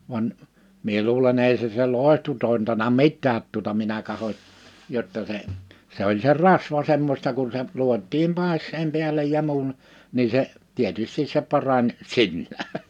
vaan minä luulen ei se se loitsu tointanut mitään tuota minä katsoin jotta se se oli se rasva semmoista kun se luotiin päässeen päälle ja muun niin se tietysti se parani sinänsä